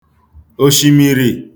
òshìmìrì